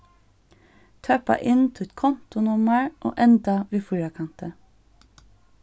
tøppa inn títt kontunummar og enda við fýrakanti